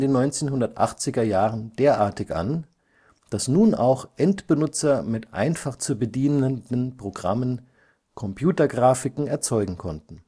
1980er Jahren derartig an, dass nun auch Endbenutzer mit einfach zu bedienenden Programmen Computergrafiken erzeugen konnten